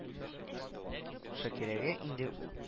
Шакирәгә инде ү